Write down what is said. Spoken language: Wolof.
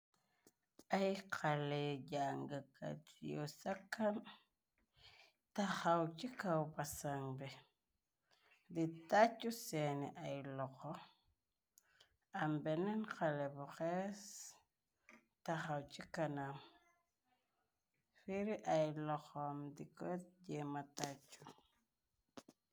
ay xale jangkat yu sakan taxaw ci kaw basang bi di taccu seeni ay loxo am beneen xale bu xees taxaw ci kanam firi ay loxoam di kot jéema tàccu